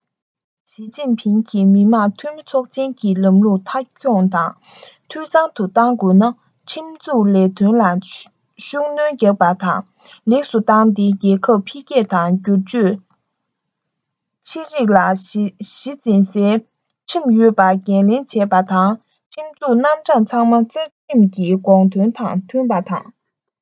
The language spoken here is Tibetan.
ཞིས ཅིན ཕིང གིས མི དམངས འཐུས མི ཚོགས ཆེན གྱི ལམ ལུགས མཐའ འཁྱོངས དང འཐུས ཚང དུ གཏོང དགོས ན ཁྲིམས འཛུགས ལས དོན ལ ཤུགས སྣོན རྒྱག པ དང ལེགས སུ བཏང སྟེ རྒྱལ ཁབ འཕེལ རྒྱས དང སྒྱུར བཅོས ཆེ རིགས ལ གཞི འཛིན སའི ཁྲིམས ཡོད པའི འགན ལེན བྱས ནས ཁྲིམས འཛུགས རྣམ གྲངས ཚང མ རྩ ཁྲིམས ཀྱི དགོངས དོན དང མཐུན པ དང